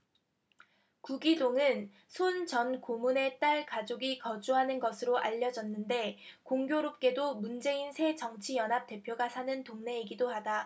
구기동은 손 전 고문의 딸 가족이 거주하는 것으로 알려졌는데 공교롭게도 문재인 새정치연합 대표가 사는 동네이기도 하다